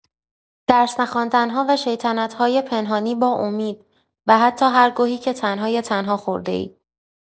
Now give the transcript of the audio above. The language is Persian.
درس نخواندن‌ها و شیطنت‌های پنهانی با امید، و حتی هر گهی که تن‌های تنها خورده‌ای.